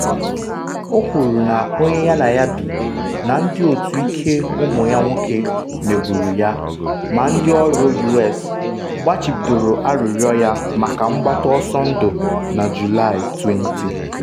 O kwuru na onye ya na ya bi “na ndị otu ike ụmụ ya nwoke” megburu ya, ma ndị ọrụ U.S gbachibidoro arịrịọ ya maka mgbata ọsọ ndụ na Julaị 20.